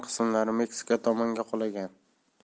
qismlari meksika tomoniga qulagan